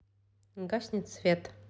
гаснет свет